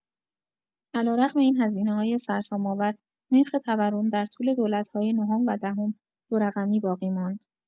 علیرغم این هزینه‌های سرسام‌آور، نرخ تورم در طول دولت‌های نهم و دهم دو رقمی باقی ماند.